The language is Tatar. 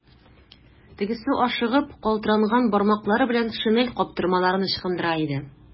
Тегесе ашыгып, калтыранган бармаклары белән шинель каптырмаларын ычкындыра иде.